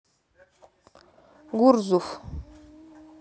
гурзуф